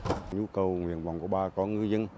nhu cầu nguyện vọng của bà con ngư dâng